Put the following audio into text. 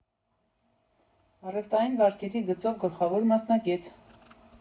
Առևստային վարկերի գծով գլխավոր մասնագետ։